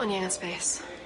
O'n i angan spês.